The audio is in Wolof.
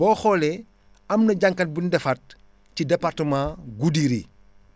boo xoolee am na jàngat bu ñu defaat ci département Goudiri